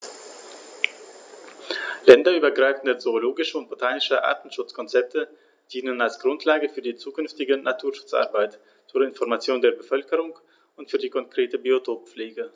Länderübergreifende zoologische und botanische Artenschutzkonzepte dienen als Grundlage für die zukünftige Naturschutzarbeit, zur Information der Bevölkerung und für die konkrete Biotoppflege.